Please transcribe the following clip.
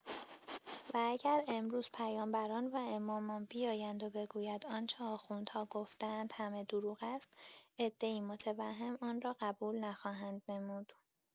و اگر امروز پیامبران و امامان بیایند و بگویند آنچه آخوندها گفته‌اند همه دروغ است، عده‌ای متوهم آنرا قبول نخواهند نمود.